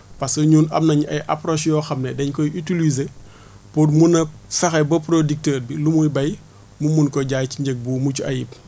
parce que ñun am nañu ay approches yoo xam ne dañ koy utiliser pour mun a fexe ba producteur bi lu muy béy mu mun koo jaay ci njëg bu mucc ayib